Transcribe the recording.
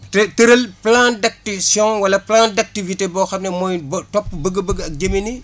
te tëral plan d' action wala plan d' activité boo xam ne mooy ba topp bëgg-bëgg ak jëmin yi